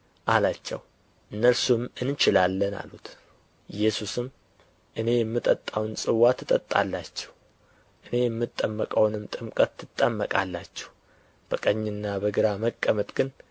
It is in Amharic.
አላቸው እነርሱም እንችላለን አሉት ኢየሱስም እኔ የምጠጣውን ጽዋ ትጠጣላችሁ እኔ የምጠመቀውንም ጥምቀት ትጠመቃላችሁ በቀኝና በግራ መቀመጥ ግን